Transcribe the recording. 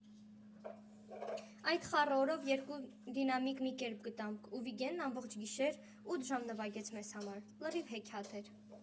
Այդ խառը օրով երկու դինամիկ մի կերպ գտանք, ու Վիգենն ամբողջ գիշեր՝ ութ ժամ նվագեց մեզ համար, լրիվ հեքիաթ էր։